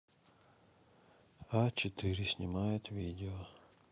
а четыре снимает видео